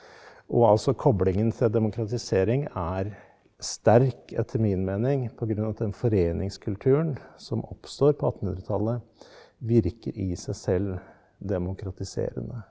og altså koblingen til demokratisering er sterk etter min mening pga. at den foreningskulturen som oppstår på attenhundretallet virker i seg selv demokratiserende.